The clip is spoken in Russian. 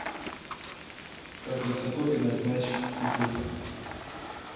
как высоко пинать мяч ютуб